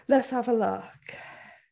Let's have a look.